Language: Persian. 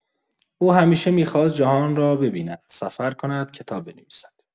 او همیشه می‌خواست جهان را ببیند، سفر کند، کتاب بنویسد.